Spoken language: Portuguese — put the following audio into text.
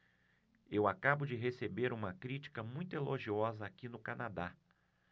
eu acabo de receber uma crítica muito elogiosa aqui no canadá